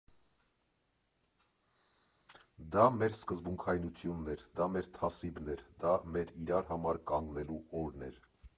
Դա մեր սկզբունքայնությունն էր, դա մեր թասիբն էր, դա մեր իրար համար կանգնելու օրն էր։